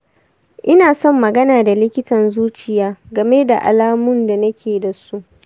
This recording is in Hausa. ina son magana da likitan zuciya game da alamun da nake da su.